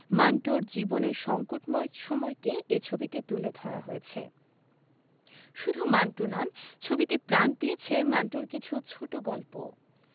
মান্টোর জীবনের সংকটময় সময়কে এ ছবিতে তুলে ধরা হয়েছে শুধু মান্টো নন ছবিতে প্রাণ পেয়েছে মান্টোর কিছু ছোটগল্পও